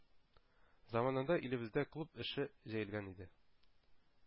Заманында илебездә клуб эше җәелгән иде,